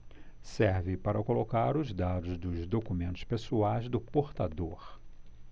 serve para colocar os dados dos documentos pessoais do portador